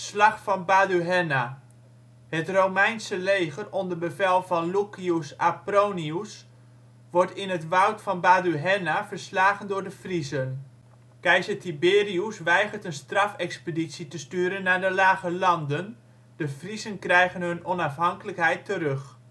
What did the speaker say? Slag van Baduhenna: Het Romeinse leger onder bevel van Lucius Apronius, wordt in het woud van Baduhenna verslagen door de Friezen. Keizer Tiberius weigert een strafexpeditie te sturen naar de Lage Landen, de Friezen krijgen hun onafhankelijkheid terug